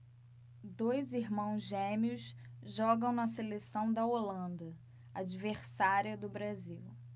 dois irmãos gêmeos jogam na seleção da holanda adversária do brasil